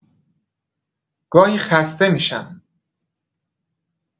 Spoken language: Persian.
گاهی خسته می‌شم.